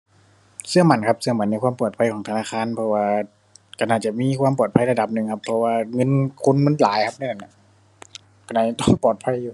เชื่อมั่นครับ เชื่อมั่นในความปลอดภัยของธนาคาร เพราะว่าเชื่อน่าจะมีความปลอดภัยระดับหนึ่งครับ เพราะว่าเงินคนมันหลายครับ ในนั้นน่ะ เชื่อน่าจะต้องปลอดภัยอยู่